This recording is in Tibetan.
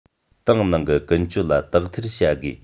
ཏང ནང གི ཀུན སྤྱོད ལ དག ཐེར བྱ དགོས